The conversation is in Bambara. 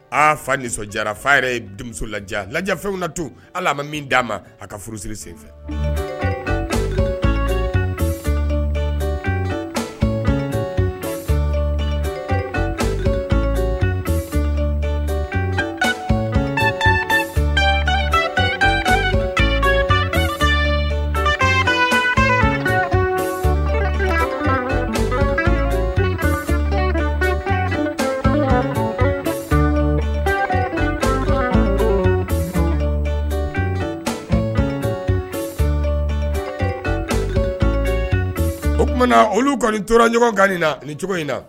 A fa nisɔndiyara fa yɛrɛ ye denmuso la la fɛnw na tun hali ma min d aa ma a ka furu siri senfɛ o tumana olu kɔni toraɲɔgɔn gan na ni cogo in na